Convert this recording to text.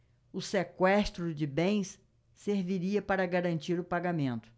o sequestro de bens serviria para garantir o pagamento